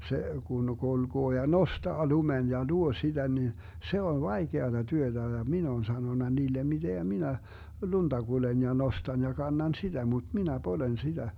se kun kulkee ja nostaa lumen ja luo sitä niin se on vaikeata työtä ja minä olen sanonut niille miten minä lunta kuljen ja nostan ja kannan sitä mutta minä poljen sitä